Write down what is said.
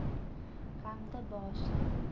g'amda boshim